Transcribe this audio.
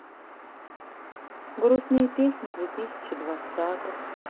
грустные песни две тысячи двадцатых